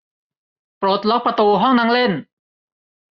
ปลดล็อกประตูห้องนั่งเล่น